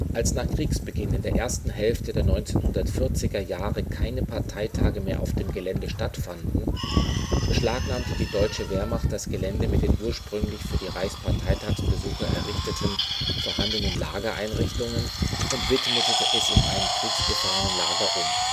Als nach Kriegsbeginn in der ersten Hälfte der 1940er Jahre keine Parteitage mehr auf dem Gelände stattfanden, beschlagnahmte die Deutsche Wehrmacht das Gelände mit den ursprünglich für die Reichsparteitagsbesucher errichteten vorhandenen Lagereinrichtungen und widmete es in ein Kriegsgefangenenlager um